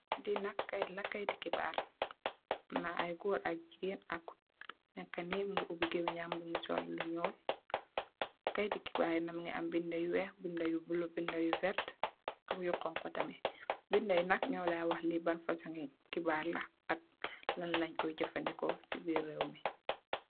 Lii nak keit la, keiti khibarr amna aiiy gorre ak gigain, ak ku neka nii mungy oubii gehmengh njam bii, mungy sol lu njull, keiti khibarr bii nak mungy am binda yu wekh, binda yu blue, binda yu vertue, am yu honhu tamit, binda yii nak njur lai wakh lii ban fasoni khibarr la ak lan langh kor jeufandehkor cii birr rewmi.